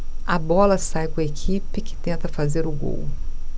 a bola sai com a equipe que tenta fazer o gol